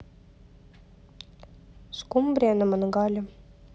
скумбрия на мангале